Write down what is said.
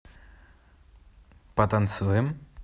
потанцуем